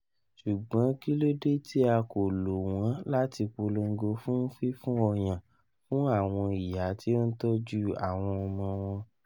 Ṣugbọn kilode ti a ko lo wọn lati polongo fun fifun ọyan fun awọn iya ti o n tọju awọn ọmọ wọn?"